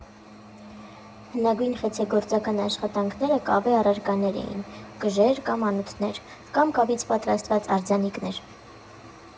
Հնագույն խեցեգործական աշխատանքները կավե առարկաներ էին (կժեր կամ անոթներ) կամ կավից պատրաստված արձանիկներ։